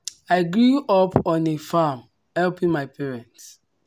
I grew up on a farm, helping my parents.